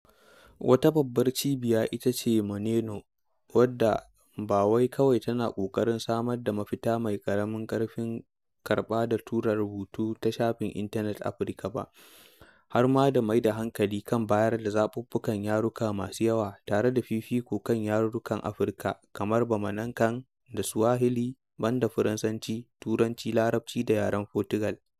Wata babbar cibiya ita ce Maneno, wadda ba wai kawai tana ƙoƙarin samar da mafita mai ƙaramin ƙarfin karɓa da tura rubutu ta shafin intanet Afirka ba, har ma da mai da hankali kan bayar da zaɓuɓɓukan yaruka masu yawa tare da fifiko kan yarukan Afirka kamar Bamanankan da Swahili, banda Faransanci, Turanci, Larabci da yaren Fotugal.